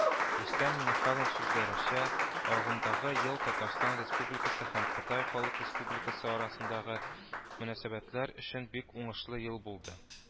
Рөстәм Миңнеханов сүзләренчә, агымдагы ел Татарстан Республикасы һәм Кытай Халык Республикасы арасындагы мөнәсәбәтләр өчен бик уңышлы ел булды